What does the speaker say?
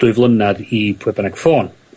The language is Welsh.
dwy flynadd i pwy bynnag ffôn.